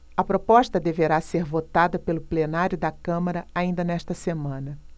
a proposta deverá ser votada pelo plenário da câmara ainda nesta semana